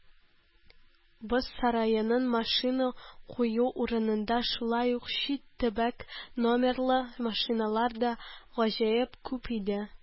Боз сараеның машина кую урынында шулай ук чит төбәк номерлы машиналар да гаҗәеп күп иде.